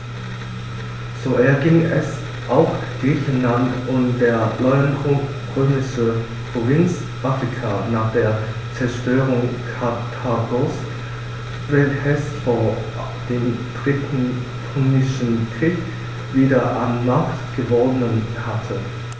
So erging es auch Griechenland und der neuen römischen Provinz Afrika nach der Zerstörung Karthagos, welches vor dem Dritten Punischen Krieg wieder an Macht gewonnen hatte.